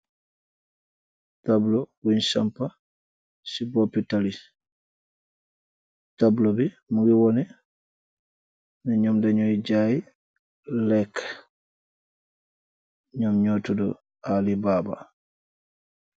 Tableau bungh sampah ci bopi tali, tableau bi mungy wohneh, neh njom deh njoiy jaii lehkue, njom njur tudu ali baba.